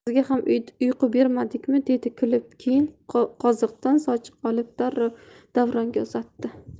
sizga ham uyqu bermadikmi dedi kulib keyin qoziqdan sochiq olib davronga uzatdi